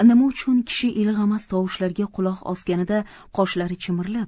nima uchun kishi ilg'amas tovushlarga quloq osganida qoshlari chimirilib